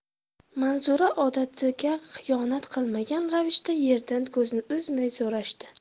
manzura odatiga xiyonat qilmagan ravishda yerdan ko'zini uzmay so'rashdi